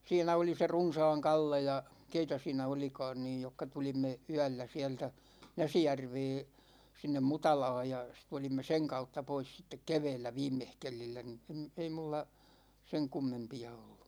siinä oli se Runsaan Kalle ja keitä siinä olikaan niin jotka tulimme yöllä sieltä Näsijärveä sinne Mutalaan ja sitten tulimme sen kautta pois sitten keväällä viimeskelillä niin en ei minulla sen kummempia ollut